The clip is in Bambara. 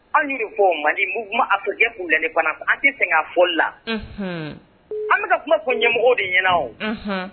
Anw ye fɔ o mali a sokɛjɛ' la fana an tɛ fɛ k' foli la an bɛka kuma ko ɲɛmɔgɔ de ɲɛna o